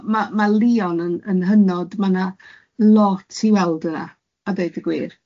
Ma' ma' Lyon yn yn hynod, ma' na lot i weld yna a deud y gwir.